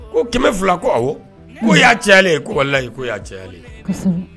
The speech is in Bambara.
Ko kɛmɛ fila ko ko cɛ ale ye ko ye ko y'a cɛya ye